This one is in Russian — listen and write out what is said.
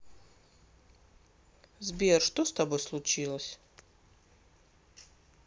сбер что с тобой случилось